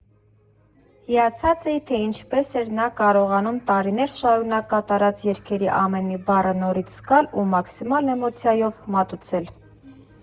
Հիացած էի, թե ինչպես էր նա կարողանում տարիներ շարունակ կատարած երգերի ամեն մի բառը նորից զգալ ու մաքսիմալ էմոցիայով մատուցել…